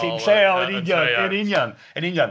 Tîm lleol, yn union... yn union... yn union.